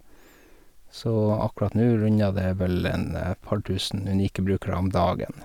Så akkurat nu rundet det vel en par tusen unike brukere om dagen.